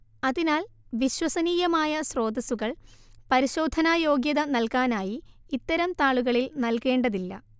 അതിനാൽ വിശ്വസനീയമായ സ്രോതസ്സുകൾ പരിശോധനായോഗ്യത നൽകാനായി ഇത്തരം താളുകളിൽ നൽകേണ്ടതില്ല